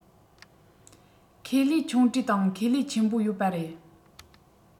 ཁེ ལས ཆུང གྲས དང ཁེ ལས ཆེན པོ ཡོད པ རེད